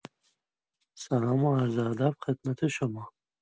سلام و عرض ادب خدمت شما